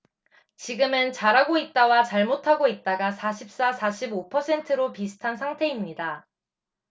지금은 잘하고 있다와 잘못하고 있다가 사십 사 사십 오 퍼센트로 비슷한 상태입니다